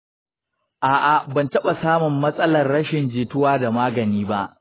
a’a, ban taɓa samun matsalar rashin jituwa da magani ba.